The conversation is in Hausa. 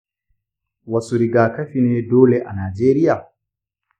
wasu rigakafi ne dole a najeriya?